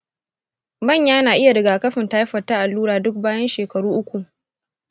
manya na iya rigakafin taifoid ta allura duk bayan shekaru uku.